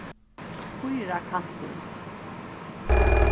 fýrakantur